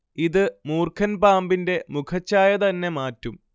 ഇത് മൂർഖൻ പാമ്പിന്റെ മുഖച്ഛായ തന്നെ മാറ്റും